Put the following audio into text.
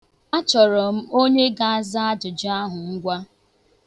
A chọrọ m onye ga-aza ajụjụ ahụ ngwa.